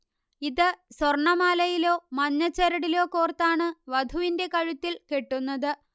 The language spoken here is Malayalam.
ഇത് സ്വർണമാലയിലോ മഞ്ഞച്ചരടിലോ കോർത്താണ് വധുവിന്റെ കഴുത്തിൽ കെട്ടുന്നത്